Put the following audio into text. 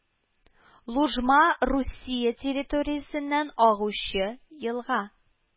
Лужма Русия территориясеннән агучы елга